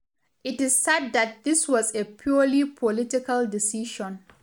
It is sad that this was a purely political decision.